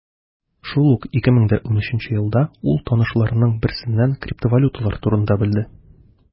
Шул ук 2013 елда ул танышларының берсеннән криптовалюталар турында белде.